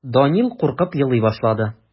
Данил куркып елый башлый.